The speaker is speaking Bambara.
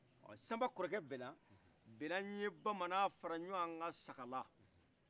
sanba kɔrɔkɛ bɛlan bɛlan ye bamanan faraɲɔgɔnka sakala